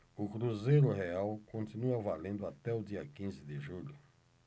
o cruzeiro real continua valendo até o dia quinze de julho